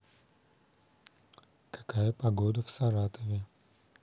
какая погода в саратове